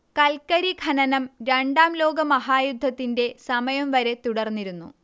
കൽക്കരി ഖനനം രണ്ടാം ലോകമഹായുദ്ധത്തിന്റെ സമയം വരെ തുടർന്നിരുന്നു